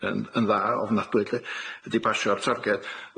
yn yn dda ofnadwy wedi basio y targed.